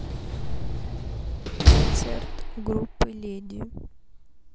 концерт группы леди